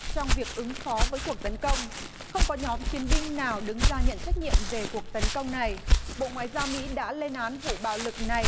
trong việc ứng phó với cuộc tấn công không có nhóm chiến binh nào đứng ra nhận trách nhiệm về cuộc tấn công này bộ ngoại giao mỹ đã lên án vụ bạo lực này